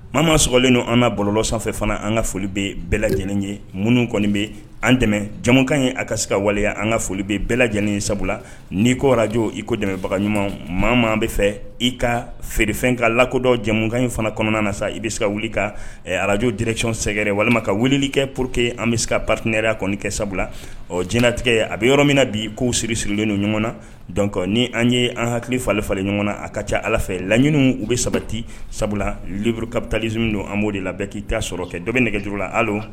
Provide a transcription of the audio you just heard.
Maa maa slen ninnu an ka bɔlɔ sanfɛ fana an ka foli bɛ bɛɛ lajɛlen ye minnu kɔni bɛ an dɛmɛ jamakan ye a ka se ka waleya an ka foli bɛ bɛɛ lajɛlen sabula ni'i ko araj iko dɛmɛbaga ɲuman maa maa bɛ fɛ i ka feerefɛn ka lakɔdɔn jɛkan in fana kɔnɔna na i bɛ se ka wuli ka arajo drecon sɛgɛrɛ walima ka wulili kɛ pur que an bɛ se ka paritiinaer kɔni kɛ sabula ɔ jinɛtigɛ a bɛ yɔrɔ min na bi ko siri siriurlen don ɲɔgɔn na dɔn ni an ye an hakili falen falenli ɲɔgɔn na a ka ca ala fɛ laɲini u bɛ sabati sabula buru pabitali z don an b'o de la bɛɛ k'i ta sɔrɔ fɛ dɔ bɛ nɛgɛjuru la hali